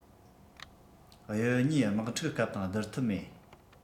དབྱི གཉིས དམག འཁྲུག སྐབས དང སྡུར ཐབས མེད